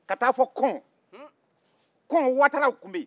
ka taa fo kɔn kɔn wo wataraw tun bɛ yen